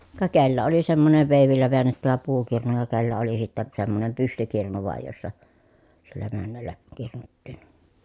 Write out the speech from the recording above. ka kenellä oli semmoisen veivillä väännettävä puukirnu ja kenellä oli sitten semmoinen pystykirnu vain jossa sillä männällä kirnuttiin